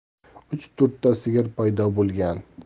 uch to'rtta sigir paydo bo'lgan